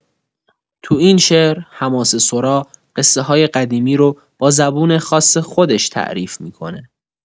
تو این شعر، حماسه‌سرا قصه‌های قدیمی رو با زبون خاص خودش تعریف می‌کنه.